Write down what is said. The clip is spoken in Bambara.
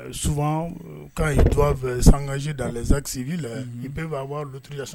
Ɛ souvent quand ils doivent s'engager dans les actes civils, ils peuvent avoir l'autorisation